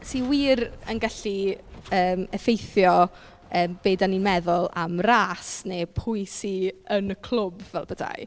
Sy wir yn gallu yym effeithio yym be dan ni'n meddwl am râs neu pwy sydd yn y clwb fel petai.